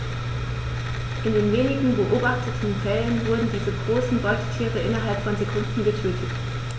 In den wenigen beobachteten Fällen wurden diese großen Beutetiere innerhalb von Sekunden getötet.